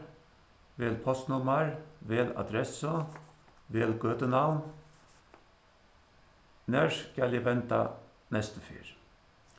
vel postnummar vel adressu vel gøtunavn nær skal eg venda næstu ferð